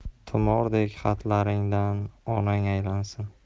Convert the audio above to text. tumordek xatlaringdan onang aylansin